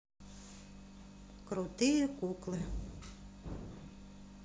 крутые куклы